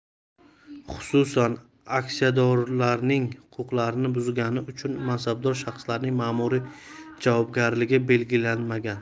xususan aksiyadorlarning huquqlarini buzgani uchun mansabdor shaxslarning ma'muriy javobgarligi belgilanmagan